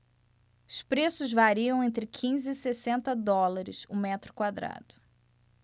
os preços variam entre quinze e sessenta dólares o metro quadrado